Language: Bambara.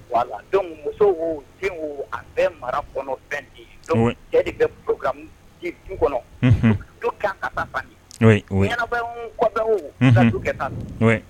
Wala don muso' den a bɛɛ mara kɔnɔ bɛɛ di bɛ ka du kɔnɔraba ka ta